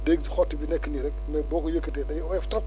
da ngay gis xott bi nekk nii rek mais boo ko yëkkatee day oyof trop